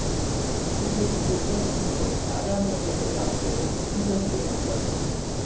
미국이 쫓고 있던 인물을 아잠의 옆좌석에 앉힌 것은 순전히 우연이었다